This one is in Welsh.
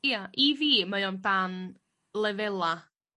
Ia i fi mae o'n fan lefela'